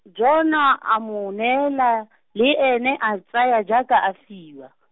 Jona a mo neela , le ene a tsaya jaaka a fiwa .